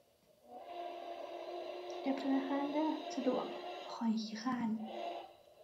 แอปธนาคารเด้อ สะดวก ข้อยขี้คร้าน